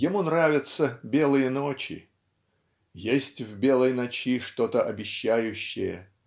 Ему нравятся белые ночи (есть в белой ночи что-то обещающее